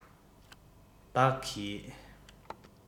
བདག གིས